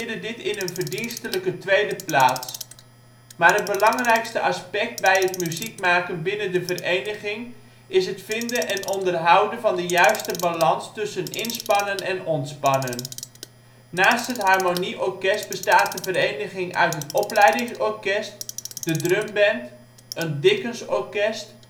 dit in een verdienstelijke 2e plaats. Maar het belangrijkste aspect bij het muziek maken binnen de vereniging is het vinden en onderhouden van de juiste balans tussen inspannen en ontspannen. Naast het harmonieorkest bestaat de vereniging uit het opleidingsorkest, de drumband, een Dickensorkest